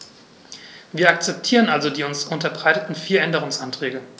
Wir akzeptieren also die uns unterbreiteten vier Änderungsanträge.